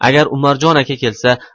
agar umarjon aka kelsa